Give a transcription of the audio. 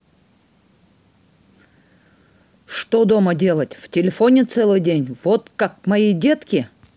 что дома делать в телефоне целый день вот как мои детки